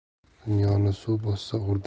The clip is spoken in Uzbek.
dunyoni suv bossa